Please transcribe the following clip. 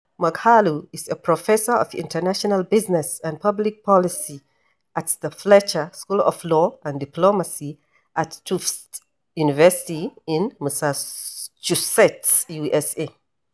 Moghalu is a professor of international business and public policy at the Fletcher School of Law and Diplomacy at Tufts University in Massachusetts, USA.